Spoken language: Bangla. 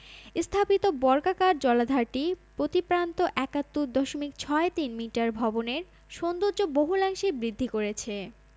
স্থাপিত বর্গাকার জলাধারটি প্রতি প্রান্ত ৭১ দশমিক ছয় তিন মিটার ভবনের সৌন্দর্য বহুলাংশে বৃদ্ধি করেছে